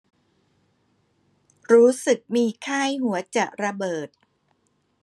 รู้สึกมีไข้หัวจะระเบิด